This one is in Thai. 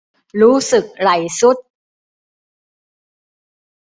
รู้สึกไหล่ทรุด